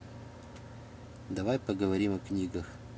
давай поговорим о книгах